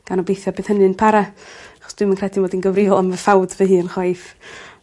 gan obeithio bydd hynny'n para achos dwi'm yn credu mod i'n gyfrifol am fy ffawd fy hun chwaith.